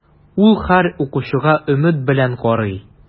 Ул һәр укучыга өмет белән карый.